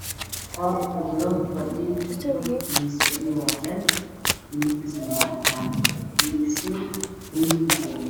Col qol ku jiro fadhi li miis miiska galkiisa waa caddaan madow